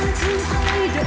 đưa